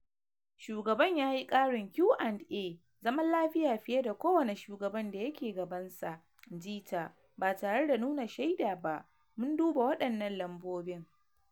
"Shugaban ya yi karin Q & A zaman lafiya fiye da kowane shugaban da yake gabansa," inji ta, ba tare da nuna shaida ba: "Mun duba wadannan lambobin."